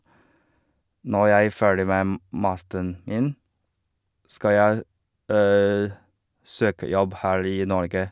Når jeg ferdig med m masteren min, skal jeg søke jobb her i Norge.